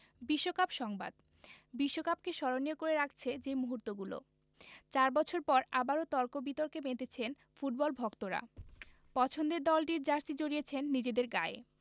বিশ্বকাপ সংবাদ বিশ্বকাপকে স্মরণীয় করে রাখছে যে মুহূর্তগুলো চার বছর পর আবারও তর্ক বিতর্কে মেতেছেন ফুটবল ভক্তরা পছন্দের দলটির জার্সি জড়িয়েছেন নিজেদের গায়ে